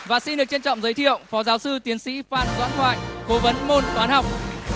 và xin được trân trọng giới thiệu phó giáo sư tiến sĩ phan doãn thoại cố vấn môn toán học